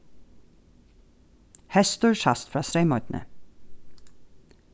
hestur sæst frá streymoynni